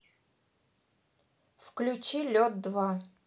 включить лед два